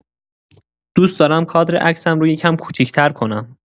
دوست دارم کادر عکسم رو یکم کوچیک‌تر کنم.